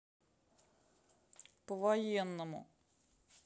по военному